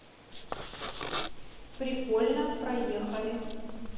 прикольно проехали